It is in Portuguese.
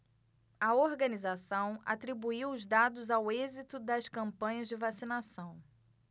a organização atribuiu os dados ao êxito das campanhas de vacinação